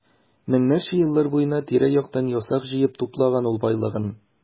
Меңнәрчә еллар буена тирә-яктан ясак җыеп туплаган ул байлыгын.